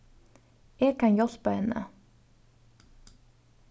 eg kann hjálpa henni